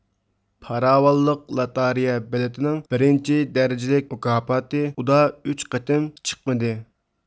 پاراۋانلىق لاتارىيە بېلىتىنىڭ بىرىنچى دەرىجىلىك مۇكاپاتى ئۇدا ئۈچ قېتىم چىقمىدى